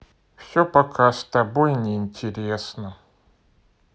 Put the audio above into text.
все пока с тобой не интересно